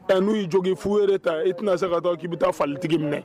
Ɛ n'u y'i jogin fu y'e de ta i tɛna se ka taa k'i bɛ taa falitigi minɛ.